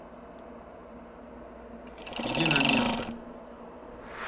иди на место